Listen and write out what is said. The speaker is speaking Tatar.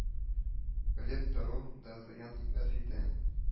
Белеп тору да зыян итмәс иде